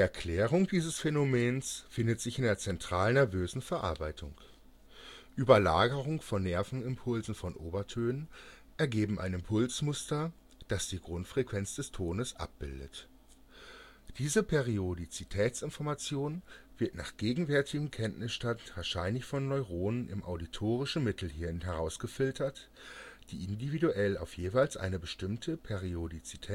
Erklärung dieses Phänomens findet sich in der zentralnervösen Verarbeitung. Überlagerungen von Nervenimpulsen von Obertönen ergeben ein Impulsmuster, das die Grundfrequenz des Tones abbildet. Diese Periodizitätsinformation wird nach gegenwärtigem Kenntnisstand wahrscheinlich von Neuronen im auditorischen Mittelhirn (colliculus inferior) herausgefiltert, die individuell auf jeweils eine bestimmte Periodizität